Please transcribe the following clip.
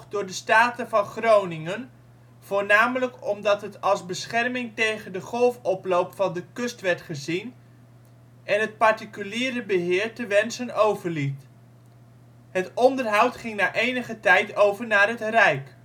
door de Staten van Groningen, voornamelijk omdat het als bescherming tegen de golfoploop van de kust werd gezien en het particuliere beheer te wensen overliet. Het onderhoud ging na enige tijd over naar het Rijk